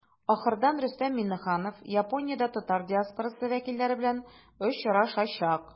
Ахырдан Рөстәм Миңнеханов Япониядә татар диаспорасы вәкилләре белән очрашачак.